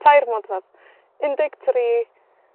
Tair modfadd, un deg tri